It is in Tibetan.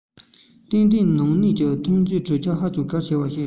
ཏན ཏན ནང གནས ཀྱི ཐོན རྫས གྲུབ ཆ ཧ ཅང གལ ཆེ བ ཞིག རེད